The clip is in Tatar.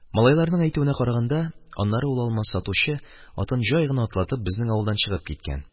Малайларның әйтүенә караганда, аннары ул алма сатучы, атын җай гына атлатып, безнең авылдан чыгып киткән.